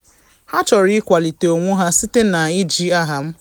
“Ha chọrọ ịkwalite onwe ha site na iji aha m.